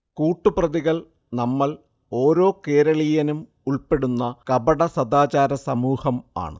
കൂട്ടു പ്രതികൾ നമ്മൾ, ഓരോ കേരളീയനും ഉൾെപ്പടുന്ന കപടസദാചാരസമൂഹം ആണ്